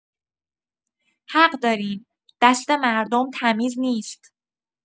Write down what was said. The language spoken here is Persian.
حق دارین، دست مردم تمیز نیست.